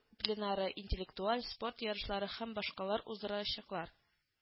Пленары, интеллектуаль-спорт ярышлары һәм башкалар уздырылачаклар